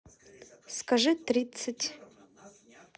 скажи тридцать